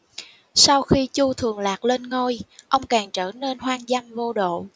sau khi chu thường lạc lên ngôi ông càng trở nên hoang dâm vô độ